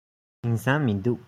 དེང སང མི འདུག